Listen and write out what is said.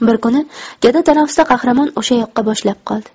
bir kuni katta tanaffusda qahramon o'sha yoqqa boshlab qoldi